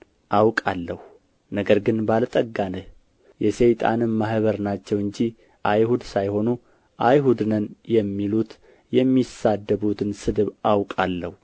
አውቃለሁ ነገር ግን ባለ ጠጋ ነህ የሰይጣንም ማኅበር ናቸው እንጂ አይሁድ ሳይሆኑ አይሁድ ነን የሚሉት የሚሳደቡትን ስድብ አውቃለሁ